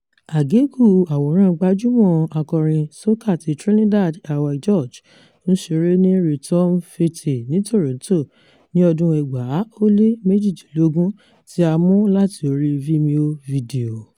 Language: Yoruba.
Àgékù àwòrán gbajúmọ̀ akọrin soca ti Trinidad Iwer George ń ṣeré ni Return Fête ní Toronto ní ọdún 2018 tí a mú láti orí Vimeo fídíò.